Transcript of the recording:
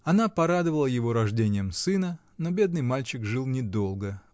Она Порадовала его рождением сына, но бедный мальчик жил недолго